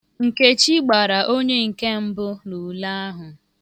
Nkechi gbara onye nke mbụ n'ule ahụ.